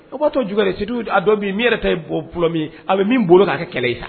min yɛrɛ ta ye problème ye a bɛ min bolo k'a kɛ kɛlɛ ye